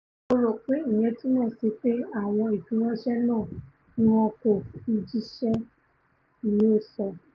Mó ròpé ìyẹn túmọ̀sí pé àwọn ìfirańṣẹ́ náà ni wọn kò fi jíṣẹ́,'' ni ó sọ.